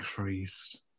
Creased.